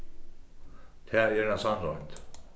tað er ein sannroynd